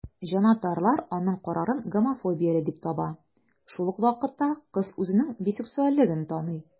Җанатарлар аның карарын гомофобияле дип таба, шул ук вакытта кыз үзенең бисексуальлеген таный.